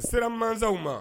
Sira mankanw ma